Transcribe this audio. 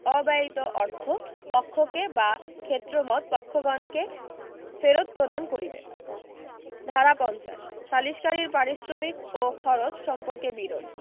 অব্যয়িত অর্থ পক্ষকে বা ক্ষেত্রমত পক্ষগণকে ফেরত প্রদান করিবে ধারা ৫০ সালিসকারীর পারিশ্রমিক ও খরচ সম্পর্কে বিরোধ